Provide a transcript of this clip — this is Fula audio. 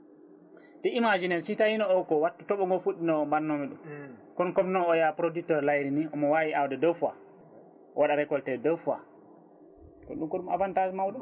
te imagine si tawino o ko wattu tooɓo ngo fuɗɗinoma * kono comme no ya producteur no layri ni omo wawi awde deux fois o waɗa récolté deux fois ko ɗum ko ɗum avantage mawɗo